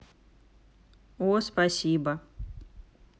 о спасибо